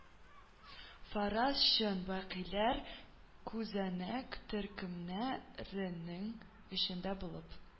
Фараз - чын вәкилләр күзәнәк төркемнәренең эчендә булып...